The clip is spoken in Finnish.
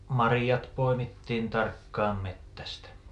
marjat poimittiin tarkkaan metsästä